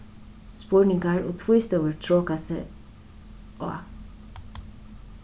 spurningar og tvístøður troka seg á